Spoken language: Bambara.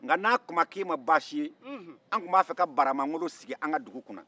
nka n'a tuma k'i ma baasi ye an tun b'a fɛ ka baramangolo sigi an dugu kunna